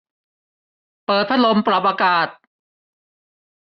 เปิดพัดลมปรับอากาศ